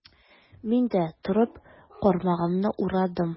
Мин дә, торып, кармагымны урадым.